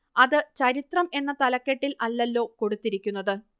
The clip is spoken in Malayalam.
അത് ചരിത്രം എന്ന തലക്കെട്ടിൽ അല്ലല്ലോ കൊടുത്തിരിക്കുന്നത്